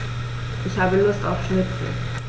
Ich habe Lust auf Schnitzel.